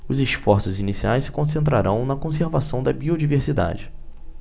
os esforços iniciais se concentrarão na conservação da biodiversidade